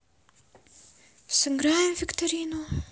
сыграем в викторину